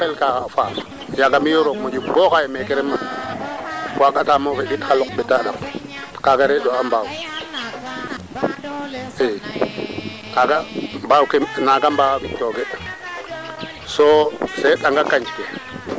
kaaga jegooge ndaa ndiiki ga'aano me i ndefna jamano fee maakata maak to maak we a an 'a ke ñotin na den nda in ku leyoona te kaaga jega te